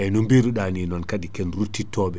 eyyi no biruɗa ni non kadi ken ruttittoɓe